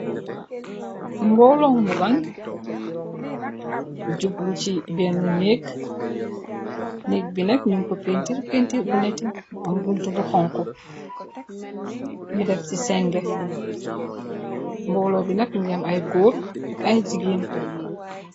Mboolo mu ran jublu ci benna nék nèk bi nag ñing ko pentir pentir bu netteh mu am buntu bu xonxu ñi def ci seng mboolo bi nag mugii am ay gór ak ay jigéen.